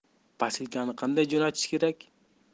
posilkani qanday jo'natish kerak